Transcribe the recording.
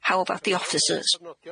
How about the officers?